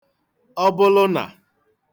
ọbụlụnà